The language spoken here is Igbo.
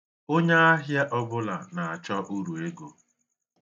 Onye ahịa ọbụla na-achọ uruego.